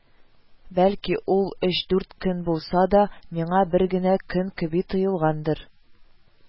Бәлки ул өч-дүрт көн булса да, миңа бер генә көн кеби тоелгандыр